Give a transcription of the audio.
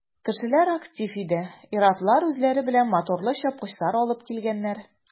Кешеләр актив иде, ир-атлар үзләре белән моторлы чапкычлар алыпн килгәннәр.